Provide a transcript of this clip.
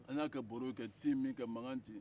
an y'a kɛ baro ye ka te min ka mankan ci